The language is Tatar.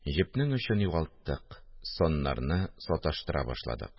Җепнең очын югалттык, саннарны саташтыра башладык